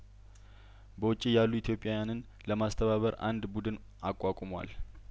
በውጪ ያሉ ኢትዮጵያውያንን ለማስተባበር አንድ ቡድን አቋቁሟል